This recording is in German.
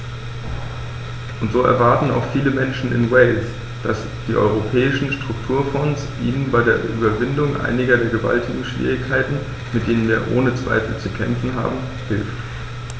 Und so erwarten auch viele Menschen in Wales, dass die Europäischen Strukturfonds ihnen bei der Überwindung einiger der gewaltigen Schwierigkeiten, mit denen wir ohne Zweifel zu kämpfen haben, hilft.